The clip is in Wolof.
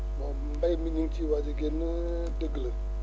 bon mbéy mi ñu ngi ciy waaj a génn dëgg la